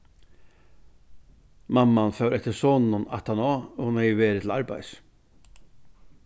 mamman fór eftir soninum aftaná hon hevði verið til arbeiðis